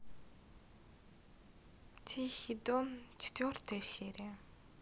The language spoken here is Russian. тихий дон четвертая серия